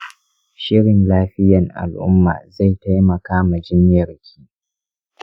shirin lafiyan al'umma zai taimaka ma jinyarka.